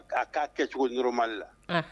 K'a k'a kɛ cogo normal la, ɔnhɔn.